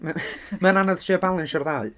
Ma' ma'n anodd trio balansio'r ddau.